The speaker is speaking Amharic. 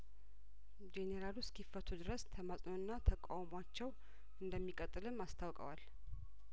ጄኔራሉ እስኪፈቱ ድረስ ተማጽኖና ተቃውሟቸው እንደሚቀጥልም አስታውቀዋል